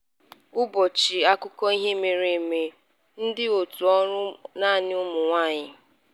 ỤBỌCHỊ AKỤKỌ IHE MERE EME - Ndị òtù ọrụ naanị ụmụnwaanyị.